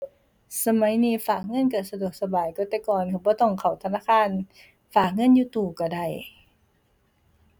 สมัยนี้ฝากเงินก็สะดวกสบายกว่าแต่ก่อนค่ะ บ่ต้องเข้าธนาคาร ฝากเงินอยู่ตู้ก็ได้